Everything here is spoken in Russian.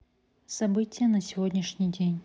события на сегодняшний день